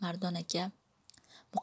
mardon aka